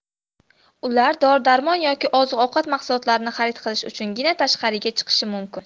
ular dori darmon yoki oziq ovqat mahsulotlarini xarid qilish uchungina tashqariga chiqishi mumkin